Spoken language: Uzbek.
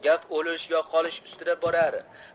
gap o'lish yo qolish ustida borar